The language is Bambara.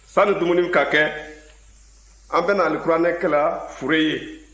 sani dumuniw ka kɛ an bɛ na alikuranɛ kalan fure ye